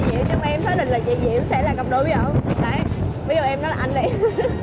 diễm nhưng mà em thấy lệch lệch chị diễm sẽ là cặp đôi bí ẩn bây giờ em nói là anh đây